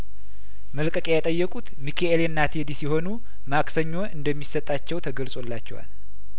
መልቀቂያ የጠየቁት ሚኬኤሌና ቴዲ ሲሆኑ ማክሰኞ እንደሚሰጣቸው ተገልጾላቸዋል